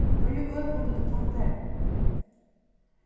hvørja øl kundi tú tonkt tær